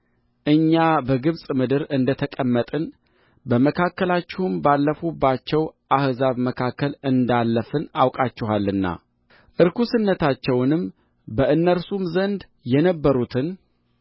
እኛ በግብፅ ምድር እንደ ተቀመጥን በመካከላቸውም ባለፋችሁባቸው አሕዛብ መካከል እንዳለፍን አውቃችኋልና ርኩስነታቸውንም በእነርሱም ዘንድ የነበሩትን